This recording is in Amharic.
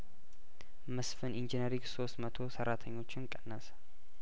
መስፍን ኢንጂነሪንግ ሶስት መቶ ሰራተኞችን ቀነሰ